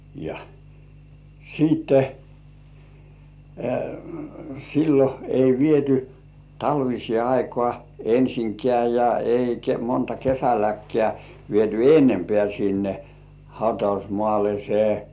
ja sitten silloin ei viety talviseen aikaan ensinkään ja eikä monta kesälläkään viety enempää sinne hautausmaalle se